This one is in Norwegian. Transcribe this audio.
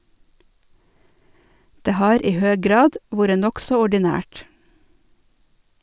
Det har, i høg grad, vore nokså ordinært.